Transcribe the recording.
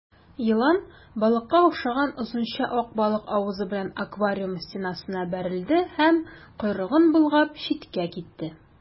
Елан балыкка охшаган озынча ак балык авызы белән аквариум стенасына бәрелде һәм, койрыгын болгап, читкә китте.